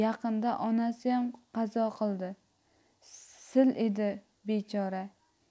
yaqinda onasiyam qazo qildi sil edi bechora